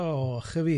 O, ych a fi!